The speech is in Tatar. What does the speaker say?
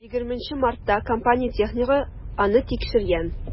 20 мартта компания технигы аны тикшергән.